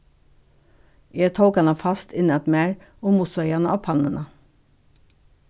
eg tók hana fast inn at mær og mussaði hana á pannuna